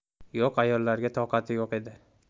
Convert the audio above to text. yo'q ayollarga toqati yo'q edi